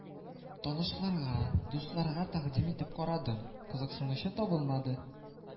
Танышларга, дусларга тәкъдим итеп карадым, кызыксынучы табылмады